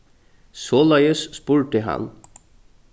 soleiðis spurdi hann